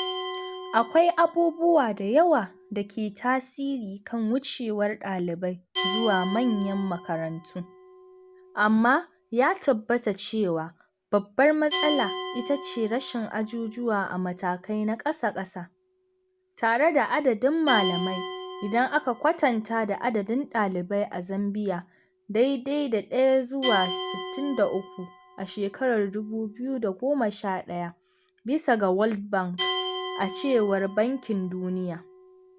Akwai abubuwa da yawa da ke tasiri kan wucewar ɗalibai zuwa manyan makarantu, amma ya tabbata cewa babbar matsalar itace rashin ajujuwa a matakai na ƙasa-ƙasa, tare da adadain malami idan aka kwatanta da adadin ɗalibai a Zambiya daidai da 1:63 a 2011 bisa ga World Bank.a cewar Bankin Duniya.